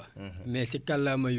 fi ñuy wax fi mu toll